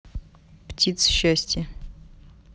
птица счастья